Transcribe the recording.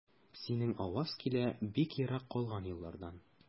Синең аваз килә бик еракта калган еллардан.